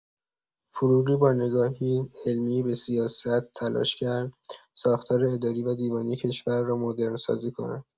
فروغی با نگاهی علمی به سیاست، تلاش کرد ساختار اداری و دیوانی کشور را مدرن‌سازی کند.